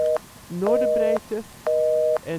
25º30 N, 51º15 O.